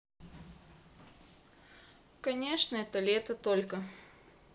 конечно это лето только